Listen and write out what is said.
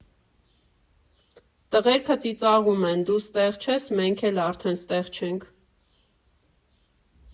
Տղերքը ծիծաղում են՝ դու ստեղ չես, մենք էլ արդեն ստեղ չենք։